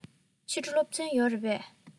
ཕྱི དྲོ སློབ ཚན ཡོད རེད པས